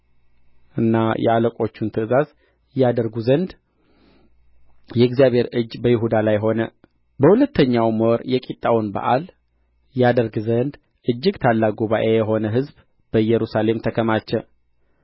እና የአለቆቹን ትእዛዝ ያደርጉ ዘንድ የእግዚአብሔር እጅ በይሁዳ ላይ ሆነ በሁለተኛውም ወር የቂጣውን በዓል ያደርግ ዘንድ እጅግ ታላቅ ጉባኤ የሆነ ሕዝብ በኢየሩሳሌም ተከማቸ